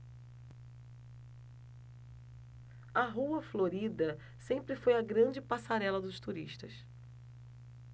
a rua florida sempre foi a grande passarela dos turistas